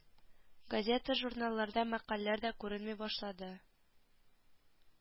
Газета-журналларда мәкаләләр дә күренми башлады